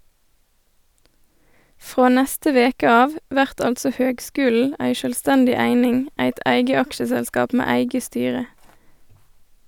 Frå neste veke av vert altså høgskulen ei sjølvstendig eining, eit eige aksjeselskap med eige styre.